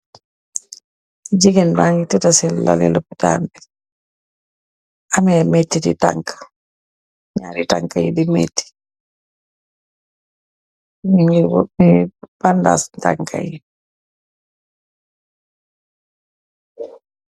Gigeen bangi tedda si lalli lopitan bi, ameh mettiti tanka, ñaari takka yi di metti, ñu ngeh wut li bandas takka bi.